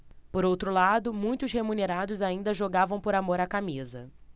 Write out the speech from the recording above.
por outro lado muitos remunerados ainda jogavam por amor à camisa